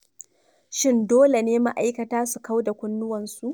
Shin dole ne ma'aikata su kauda kunnuwansu?